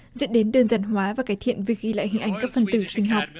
dẫn đến đơn giản hóa và cải thiện việc ghi lại hình ảnh các phần tử sinh học